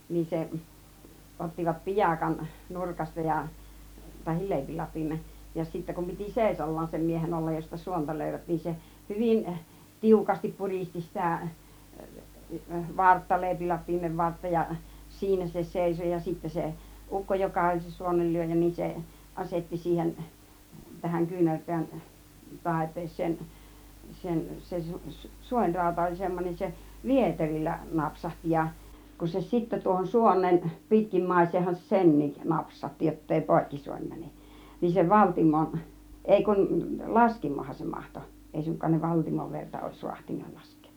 niin sen ottivat piakan nurkasta ja tai leipilapion ja sitten kun piti seisaallaan sen miehen olla josta suonta löivät niin se hyvin tiukasti puristi sitä vartta leipilapion vartta ja siinä se seisoi ja sitten se ukko joka oli se suonenlyöjä niin se asetti siihen tähän kyynärpään taipeeseen sen sen se - suonirauta oli semmoinen se vieterillä napsahti ja kun se sitten tuohon suoneen pitkimmäiseenhän se senkin napsautti jotta ei poikki suoni mene niin se valtimon ei kun laskimohan se mahtoi ei suinkaan ne valtimon verta olisi raatsinut laskea